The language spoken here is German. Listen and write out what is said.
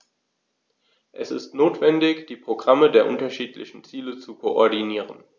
Es ist notwendig, die Programme der unterschiedlichen Ziele zu koordinieren.